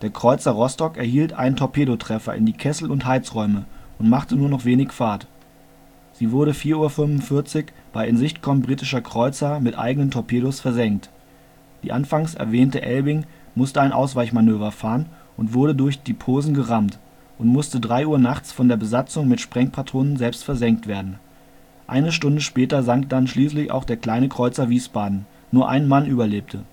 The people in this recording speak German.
Kreuzer Rostock erhielt einen Torpedotreffer in die Kessel - und Heizräume und machte nur noch wenig Fahrt. Sie wurde 4 Uhr 45 bei Insichtkommen britischer Kreuzer mit eigenen Torpedos versenkt. Die anfangs erwähnte Elbing musste ein Ausweichmanöver fahren und wurde durch die Posen gerammt und musste 3 Uhr nachts von der Besatzung mit Sprengpatronen selbst versenkt werden. Eine Stunde später sank dann schließlich auch der kleine Kreuzer Wiesbaden - nur ein Mann überlebte